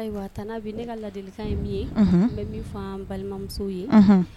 N ne ka ladilisa ye min ye ne bɛ min fɔ balimamuso ye